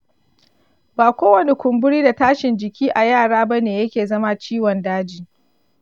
ba kowani kumburi da tashin jiki a yara bane yake zama ciwon daji.